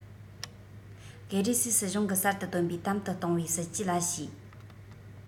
ཀེ རི སེའི སྲིད གཞུང གིས གསར དུ བཏོན པའི དམ དུ གཏོང བའི སྲིད ཇུས ལ བྱས